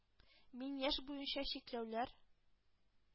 Мин яшь буенча чикләүләр –